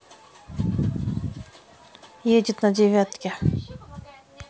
едет на девятке